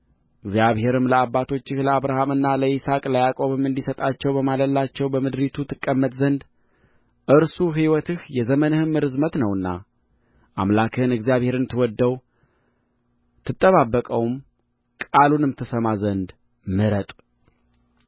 እግዚአብሔርም ለአባቶችህ ለአብርሃምና ለይስሐቅ ለያዕቆብም እንዲሰጣቸው በማለላቸው በምድሪቱ ትቀመጥ ዘንድ እርሱ ሕይወትህ የዘመንህም ርዝመት ነውና አምላክህን እግዚአብሔርን ትወድደው ትጠባበቀውም ቃሉንም ትሰማ ዘንድ ምረጥ